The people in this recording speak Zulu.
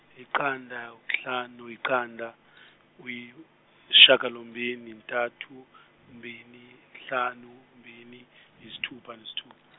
yiqanda kuhlanu yiqanda shakalombini ntathu mbini nhlano mbini yisithupha nesithupha.